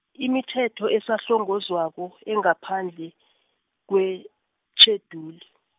imithetho esahlongozwako engaphandle, kwetjheduli.